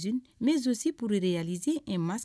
Siur